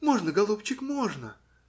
- Можно, голубчик, можно!